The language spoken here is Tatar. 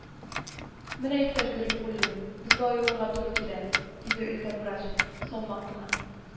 — менә, иптәш гарифуллин, безгә аерылырга туры килә,— диде өлкән врач, салмак кына